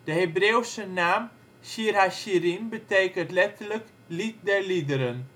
Hebreeuwse naam Shir-HaShirim betekent letterlijk lied der liederen